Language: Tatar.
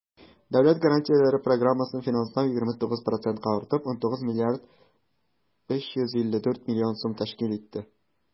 Дәүләт гарантияләре программасын финанслау 29 процентка артып, 19 млрд 354 млн сум тәшкил итте.